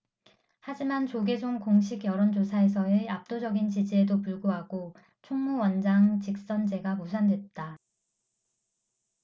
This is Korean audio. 하지만 조계종 공식 여론조사에서의 압도적인 지지에도 불구하고 총무원장 직선제가 무산됐다